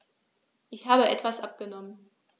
Ich habe etwas abgenommen.